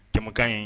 Jɛɛmukan ye